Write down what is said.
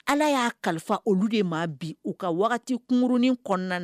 Ala y'a kalifa olu de maa bi u kakurunin kɔnɔna na